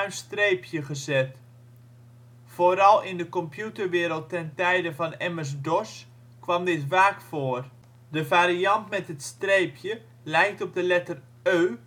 streepje gezet. Vooral in de computerwereld ten tijde van MS-DOS kwam dit vaak voor. De variant met het streepje lijkt op de letter Ø